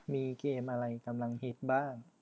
มีเกมอะไรกำลังฮิตบ้าง